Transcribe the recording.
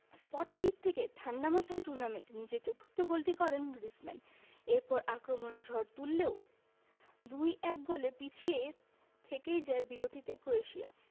spot kick থেকে ঠাণ্ডা মাথায় টুর্নামেন্টে নিজের চতুর্থ গোলটি করেন গ্রিজমান এরপর আক্রমণের ঝড় তুললেও ২ ১ গোলে পিছিয়ে থেকেই বিরতিতে যায় ক্রোয়েশিয়া